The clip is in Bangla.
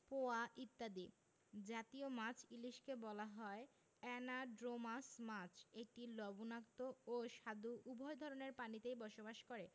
পোয়া ইত্যাদি জতীয় মাছ ইলিশকে বলা হয় অ্যানাড্রোমাস মাছ এটি লবণাক্ত ও স্বাদু উভয় ধরনের পানিতেই বসবাস করে